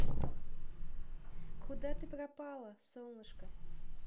куда ты пропала солнышко